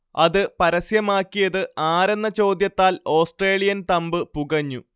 അത് പരസ്യമാക്കിയത് ആരെന്ന ചോദ്യത്താൽ ഓസ്ട്രേലിയൻ തമ്പ് പുകഞ്ഞു